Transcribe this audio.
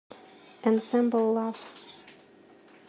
ensemble love